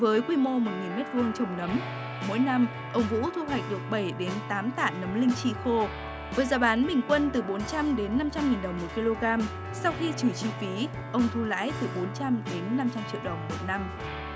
với quy mô một nghìn mét vuông trồng nấm mỗi năm ông vũ thu hoạch được bảy đến tám tạ nấm linh chi khô với giá bán bình quân từ bốn trăm đến năm trăm nghìn đồng một ki lô gam sau khi trừ chi phí ông thu lãi từ bốn trăm đến năm trăm triệu đồng một năm